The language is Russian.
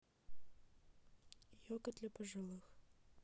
йога для пожилых